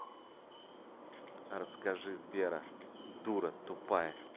расскажи сбера дура тупая